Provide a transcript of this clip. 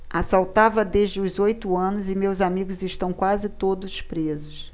assaltava desde os oito anos e meus amigos estão quase todos presos